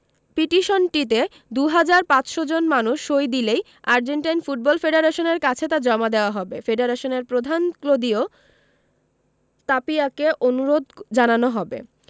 পিটিশনটিতে ২ হাজার ৫০০ জন মানুষ সই দিলেই আর্জেন্টাইন ফুটবল ফেডারেশনের কাছে তা জমা দেওয়া হবে ফেডারেশনের প্রধান ক্লদিও তাপিয়াকে অনুরোধ জানানো হবে